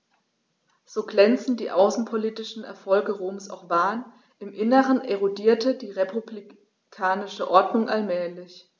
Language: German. So glänzend die außenpolitischen Erfolge Roms auch waren: Im Inneren erodierte die republikanische Ordnung allmählich.